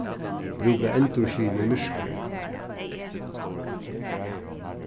brúka endurskin í myrkri